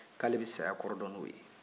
k'ale bɛ saya kɔrɔ dɔn n'o ye